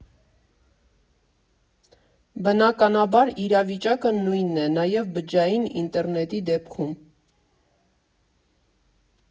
Բնականաբար, իրավիճակը նույնն է նաև բջջային ինտերնետի դեպքում։